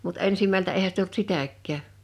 mutta ensimmältä eihän sitä ollut sitäkään